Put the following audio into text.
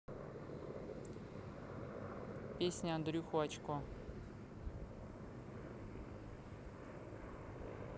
песня андрюху очко